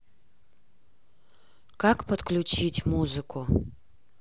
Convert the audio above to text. как подключить музыку